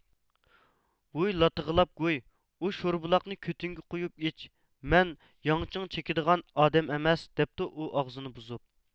ۋۇي لاتا غىلاپ گۇي ئۇ شوربۇلاقنى كۆتۈڭگە قۇيۇپ ئىچ مەن ياڭچىڭ چىكىدىغان ئادەم ئەمەس دەپتۇ ئۇ ئاغزىنى بۇزۇپ